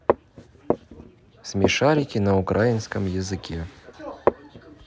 смешарики на украинском языке